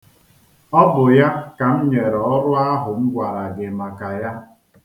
Ọ bụ ya ka m nyere ọrụ ahụ m gwara gị maka ya.